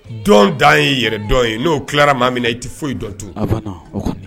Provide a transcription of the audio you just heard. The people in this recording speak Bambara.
Dɔn dan ye yɛrɛ dɔn ye n'o tilara maa min i tɛ foyi dɔn tun